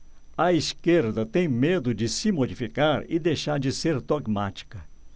a esquerda tem medo de se modificar e deixar de ser dogmática